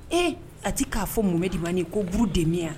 Ee a tɛ k'a fɔ mun deban nin ko buru demi